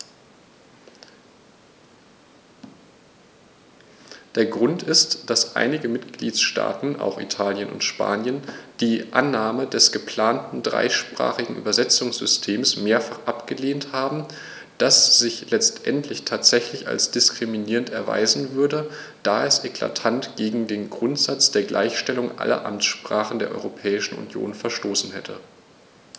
Der Grund ist, dass einige Mitgliedstaaten - auch Italien und Spanien - die Annahme des geplanten dreisprachigen Übersetzungssystems mehrfach abgelehnt haben, das sich letztendlich tatsächlich als diskriminierend erweisen würde, da es eklatant gegen den Grundsatz der Gleichstellung aller Amtssprachen der Europäischen Union verstoßen hätte.